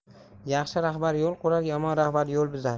yaxshi rahbar yo'l qurar yomon rahbar yo'l buzar